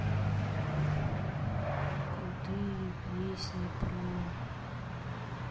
крутые песни про